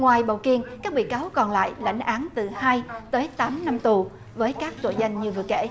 ngoài bầu kiên các bị cáo còn lại lãnh án từ hai tới tám năm tù với các tội danh như vừa kể